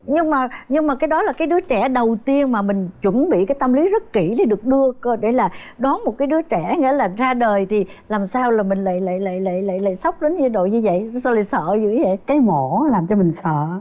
nhưng mà nhưng mà cái đó là cái đứa trẻ đầu tiên mà mình chuẩn bị cái tâm lý rất kỹ để được đưa co để là đón một cái đứa trẻ nữa là ra đời thì làm sao là mình lậy lậy lậy lậy lậy lậy sốc đến độ như vậy sao lại sợ dữ dậy cái mổ làm cho mình sợ